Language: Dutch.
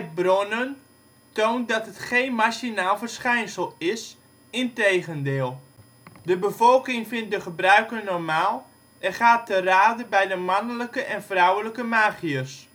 bronnen toont dat het geen marginaal verschijnsel is, integendeel. De bevolking vindt de gebruiken normaal en gaat te rade bij de mannelijke en vrouwelijke magiërs